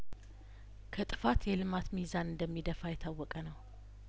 ከጥፋት የልማት ሚዛን እንደሚደፋ የታወቀ ነው